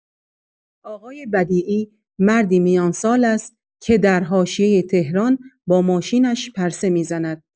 «آقای بدیعی» مردی میان‌سال است که در حاشیۀ تهران با ماشینش پرسه می‌زند.